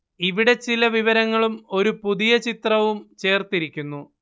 ഇവിടെ ചില വിവരങ്ങളും ഒരു പുതിയ ചിത്രവും ചേര്‍ത്തിരിക്കുന്നു